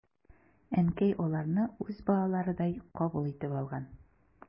Әнкәй аларны үз балаларыдай кабул итеп алган.